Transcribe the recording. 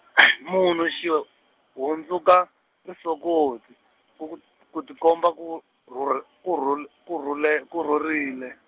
munhu xi hu-, hundzuka, risokoti ku ku t-, ku tikomba ku ku, rhur- ku rhul-, ku rhule, ku rhurile.